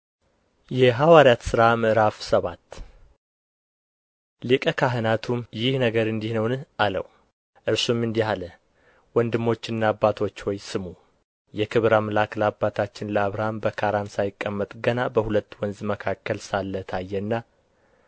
የሐዋርያት ሥራ ምዕራፍ ሰባት ሊቀ ካህናቱም ይህ ነገር እንዲህ ነውን አለው እርሱም እንዲህ አለ ወንድሞችና አባቶች ሆይ ስሙ የክብር አምላክ ለአባታችን ለአብርሃም በካራን ሳይቀመጥ ገና በሁለት ወንዝ መካከል ሳለ ታየና